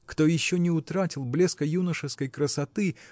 кто еще не утратил блеска юношеской красоты